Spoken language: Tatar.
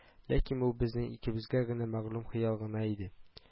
Ләкин бу безнең икебезгә генә мәгълүм хыял гына иде